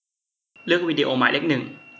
เลือกวิดีโอหมายเลขหนึ่ง